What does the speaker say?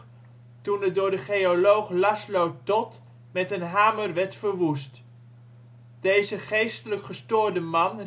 toen het door de geoloog Laszlo Toth met een hamer werd verwoest. Deze geestelijk gestoorde man